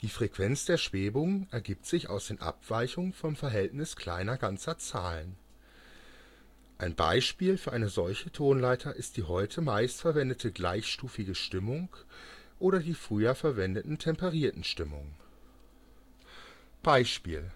Frequenz der Schwebungen ergibt sich aus den Abweichungen vom Verhältnis kleiner ganzer Zahlen. Ein Beispiel für eine solche Tonleiter ist die heute meist verwendete gleichstufige Stimmung oder die früher verwendeten temperierten Stimmungen. Beispiel